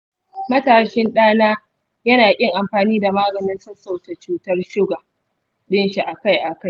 matashin ɗana ya na ƙin amfani da maganin sassauta cutar suga ɗinshi akai-akai.